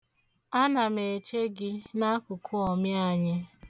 Ana m eche gị n'akụkụ ọmị anyị.